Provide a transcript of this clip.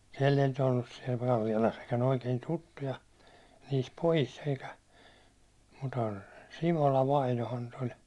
siellä ei nyt ollut siellä Kallialassa sitten oikein tuttuja niissä pojissa eikä mutta Simola vainajahan nyt oli